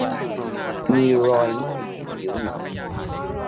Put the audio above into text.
มีรอยไหม้ที่ผิวหนัง